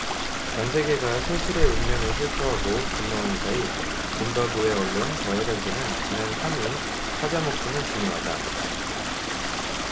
전세계가 세실의 운명에 슬퍼하고 분노하는 사이 짐바브웨 언론 더헤럴드는 지난 삼 일 사자 목숨은 중요하다